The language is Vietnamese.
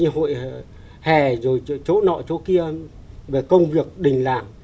hội hè rồi là chỗ nọ chỗ kia về công việc đình làng